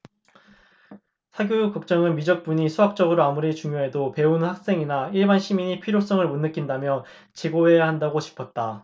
사교육걱정은 미적분이 수학적으로 아무리 중요해도 배우는 학생이나 일반 시민이 필요성을 못 느낀다면 재고해야 한다고 짚었다